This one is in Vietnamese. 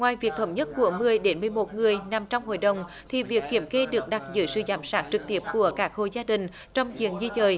ngoài việc hợp nhất của mười đến mười một người nằm trong hội đồng thi việc kiểm kê được đặt dưới sự giám sát trực tiếp của các hộ gia đình trong diện di dời